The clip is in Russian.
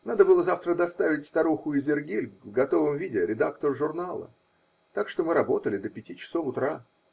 Надо была завтра доставить "Старуху Изергиль" в готовом виде редактору журнала, так что мы работали до пяти часов утра.